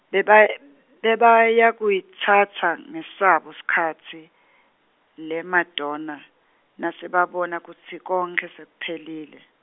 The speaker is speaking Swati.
bebay- bebayakuyitsatsa ngesabo sikhatsi leMadonna nasebabona kutsi konkhe sekuphelile.